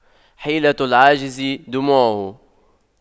حيلة العاجز دموعه